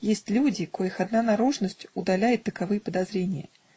Есть люди, коих одна наружность удаляет таковые подозрения.